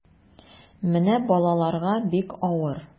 Менә балаларга бик авыр.